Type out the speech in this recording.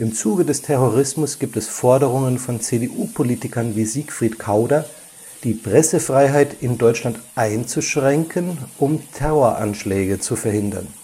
Zuge des Terrorismus gibt es Forderungen von CDU-Politikern wie Siegfried Kauder, die Pressefreiheit in Deutschland einzuschränken, um Terroranschläge zu verhindern